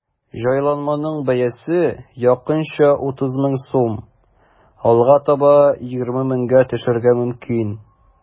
Җайланманың бәясе якынча 30 мең сум, алга таба 20 меңгә төшәргә мөмкин.